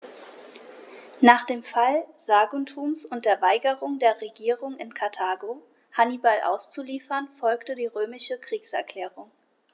Nach dem Fall Saguntums und der Weigerung der Regierung in Karthago, Hannibal auszuliefern, folgte die römische Kriegserklärung.